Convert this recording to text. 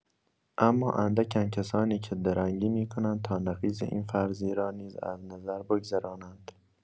اما اندکند کسانی که درنگی می‌کنند تا نقیض این فرضیه را نیز از نظر بگذرانند.